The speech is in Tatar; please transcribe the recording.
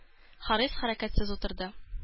Харис хәрәкәтсез утырды.